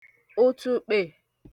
ùtùkpè